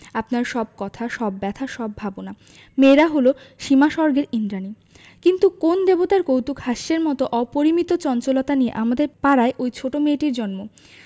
আপনার সব কথা সব ব্যাথা সব ভাবনা মেয়েরা হল সীমাস্বর্গের ঈন্দ্রাণী কিন্তু কোন দেবতার কৌতূকহাস্যের মত অপরিমিত চঞ্চলতা নিয়ে আমাদের পাড়ায় ঐ ছোট মেয়েটির জন্ম